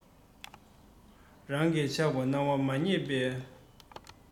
རང གི ཆགས པ སྣང བ མ ངེས པས